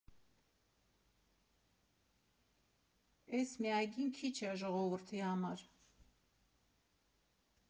Էս մի այգին քիչ է ժողովրդի համար։